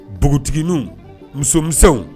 Dugutigi musomisɛnw